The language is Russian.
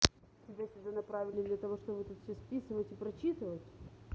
тебя сюда направили до того что вы тут все списывать и прочитывать